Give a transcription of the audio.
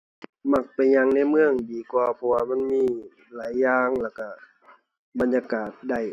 มักไปย่างในเมืองดีกว่า เพราะว่ามันมีหลายอย่าง แล้วก็ บรรยากาศได้